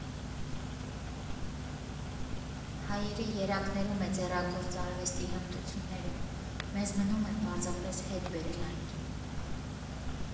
Հայերի երակներում է ձեռագործ արվեստի հմտությունները, մեզ մնում է պարզապես հետ բերել այն։